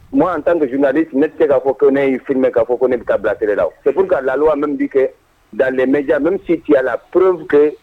Mɔgɔ an tannali ne tɛ k'a fɔ ko ne y'i fri k ka fɔ ko ne bɛ taa bila kira la fo'a lallumɛ bɛ kɛ dalenmɛjamɛ misi ci la purbu kɛ